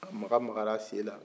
a makamaka la'a sen la